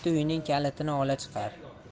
uyning kalitini ola chiqar